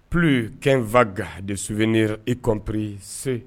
plus qu'un vague a des souvenirs y compris ceux